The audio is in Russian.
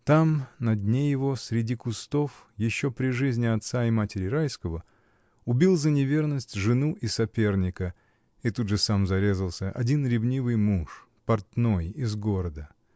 Там, на дне его, среди кустов, еще при жизни отца и матери Райского, убил за неверность жену и соперника, и тут же сам зарезался, один ревнивый муж, портной из города.